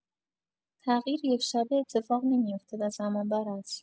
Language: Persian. تغییر یک‌شبه اتفاق نمیوفته و زمان‌بر هست.